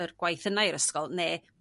yr gweith yna i'r ysgol ne'